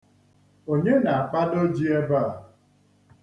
Onye na-akpado ji ebe a?